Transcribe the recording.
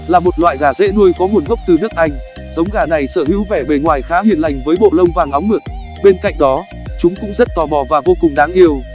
là một loại gà dễ nuôi có nguồn gốc từ nước anh giống gà này sở hữu vẻ bề ngoài khá hiền lành với bộ lông vàng óng mượt bên cạnh đó chúng cũng rất tò mò và vô cùng đáng yêu